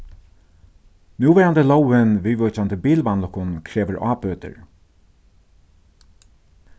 núverandi lógin viðvíkjandi bilvanlukkum krevur ábøtur